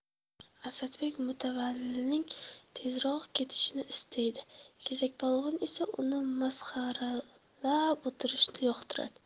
asadbek mutavallining tezroq ketishini istaydi kesakpolvon esa uni masxaralab o'tirishni yoqtiradi